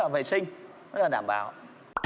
vệ sinh đó là đảm bảo